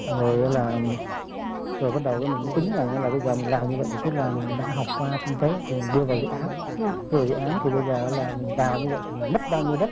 rồi là rồi bắt đầu mình tính rằng là bây giờ mình làm như vậy tức là mình đã học qua kinh tế thì mình đưa vào dự án đưa vào dự án thì bây giờ là mình đào như vậy thì mất bao nhiêu đất